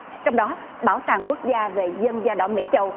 trong đó bảo tàng quốc gia về dân da đỏ mỹ châu